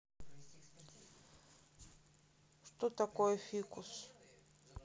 что такое фикус